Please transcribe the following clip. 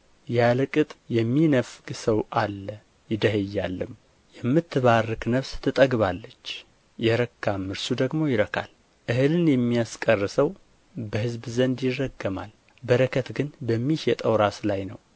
ያለ ቅጥ የሚነፍግ ሰውም አለ ይደኸያልም የምትባረክ ነፍስ ትጠግባለች የረካም እርሱ ደግሞ ይረካል እህልን የሚያስቀር ሰው በሕዝብ ዘንድ ይረገማል በረከት ግን በሚሸጠው ራስ ላይ ነው